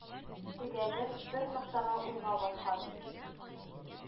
Тегәлеп бер ноктага уйга баткан.